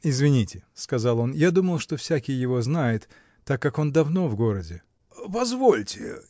— Извините, — сказал он, — я думал, что всякий его знает, так как он давно в городе. — Позвольте.